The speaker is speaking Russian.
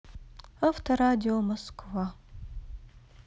авторадио москва